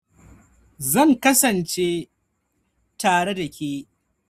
Zan kasance tare da ke.